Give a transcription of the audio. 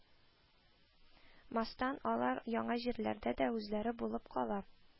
Мастан алар яңа җирләрдә дә үзләре булып кала